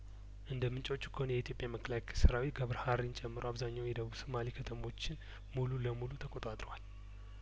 እንደምንጮቹ ከሆነ የኢትዮጵያ መከላከያ ሰራዊት ገብረ ሀሬን ጨምሮ አብዛኛው የደቡብ ሶማሊያ ከተሞች ሙሉ ለሙሉ ተቆጣጥረዋል